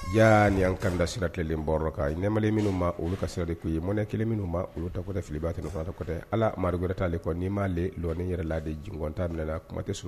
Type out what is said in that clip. Ya ni an kanda sira kelen bɔ ka ɲɛen minnu ma olu ka seri' ye mɔnɛ kelen minnu ma olu tɔgɔtɛ filiba kɛnɛfatɔtɛ ala maa wɛrɛɛ taale kɔnɔ' m'aale laɔni yɛrɛ la de jgɔn ta minɛ na kuma tɛ so